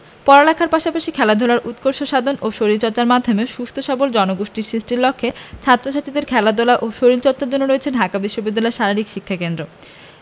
পড়ালেখার পাশাপাশি খেলাধুলার উৎকর্ষ সাধন এবং শরীরচর্চার মাধ্যমে সুস্থ সবল জনগোষ্ঠী সৃষ্টির লক্ষ্যে ছাত্র ছাত্রীদের খেলাধুলা ও শরীরচর্চার জন্য রয়েছে ঢাকা বিশ্ববিদ্যালয়ে শারীরিক শিক্ষাকেন্দ্র